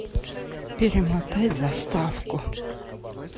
перемотать заставку